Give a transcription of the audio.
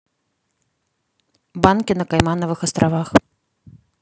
банки на каймановых островах